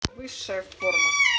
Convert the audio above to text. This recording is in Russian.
высшая форма